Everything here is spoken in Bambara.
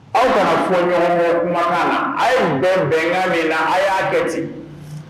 Aw ka na fɔn ɲɔgɔn kɔ kumakan na. A ye bɛn bɛnkan de la, a y'a kɛ ten.